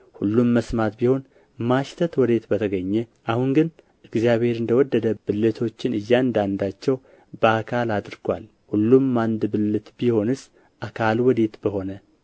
ሁሉም መስማት ቢሆን ማሽተት ወዴት በተገኘ አሁን ግን እግዚአብሔር እንደ ወደደ ብልቶችን እያንዳንዳቸው በአካል አድርጎአል ሁሉም አንድ ብልት ቢሆንስ አካል ወዴት በሆነ